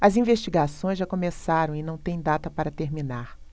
as investigações já começaram e não têm data para terminar